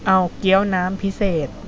เอาเกี้ยวน้ำพิเศษ